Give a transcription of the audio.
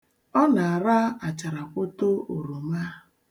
Ọ na-ara acharakwoto oroma.